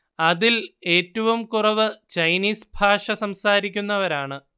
അതിൽ ഏറ്റവും കുറവ് ചൈനീസ് ഭാഷ സംസാരിക്കുന്നവരാണ്